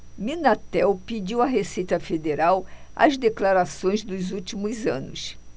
minatel pediu à receita federal as declarações dos últimos anos